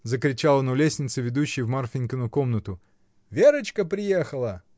— закричал он у лестницы, ведущей в Марфинькину комнату, — Верочка приехала!